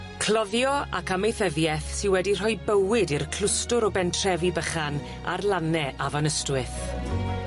Cloddio ac amaethyddieth sy wedi rhoi bywyd i'r clwstwr o bentrefi bychan ar lane Afon Ystwyth.